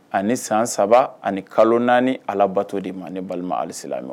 Ani san saba ani kalo naani alabato de ma balima alisela